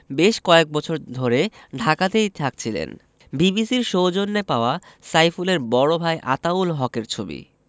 বেশ কয়েক বছর ধরে ঢাকাতেই থাকছিলেন বিবিসির সৌজন্যে পাওয়া সাইফুলের বড় ভাই আতাউল হকের ছবি